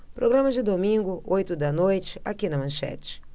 programa de domingo oito da noite aqui na manchete